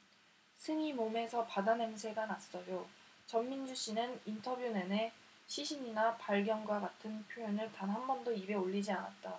승희 몸에서 바다 냄새가 났어요전민주씨는 인터뷰 내내 시신이나 발견과 같은 표현을 단 한번도 입에 올리지 않았다